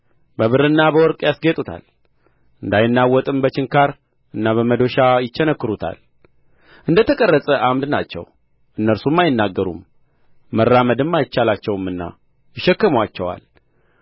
በብርና በወርቅ ያስጌጡታል እንዳይናወጥም በችንካርና በመዶሻ ይቸነክሩታል እንደ ተቀረጸ ዓምድ ናቸው እነርሱም አይናገሩም መራመድም አይቻላቸውማን ይሸከሙአቸዋል